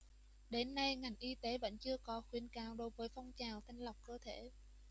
đến nay ngành y tế vẫn chưa có khuyến cáo đối với phong trào thanh lọc cơ thể